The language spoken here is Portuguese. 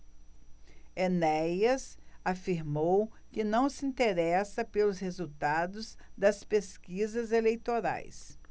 enéas afirmou que não se interessa pelos resultados das pesquisas eleitorais